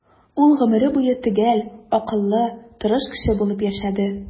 Ул гомере буе төгәл, акыллы, тырыш кеше булып яшәде.